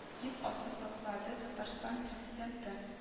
- дип ассызыклады татарстан президенты